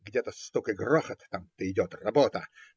Где-то стук и грохот: там-то идет работа.